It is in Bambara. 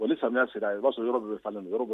Wali samiya sera a b'a sɔrɔ yɔrɔ bɛ